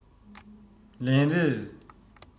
ལན རེར